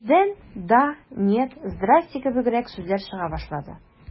Бездән дә «да», «нет», «здрасте» кебегрәк сүзләр чыга башлады.